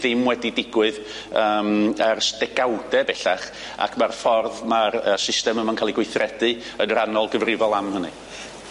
ddim wedi digwydd yym ers degawde bellach ac ma'r ffordd ma'r yy system yma'n ca'l ei gweithredu yn rhannol gyfrifol am hynny.